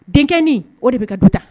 Den denkɛin o de bɛ ka du tan